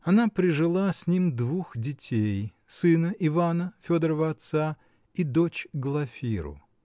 Она прижила с ним двух детей: сына Ивана, Федорова отца, и дочь Глафиру.